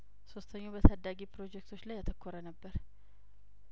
ሶስተኛው በታዳጊ ፕሮጀክቶች ላይ ያተኮረ ነበር